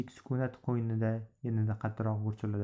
eshik sukunat qo'ynida yanada qattiqroq gursilladi